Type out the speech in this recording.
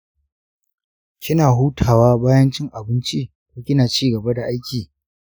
kina hutawa bayan cin abinci ko kina ci gaba da aiki?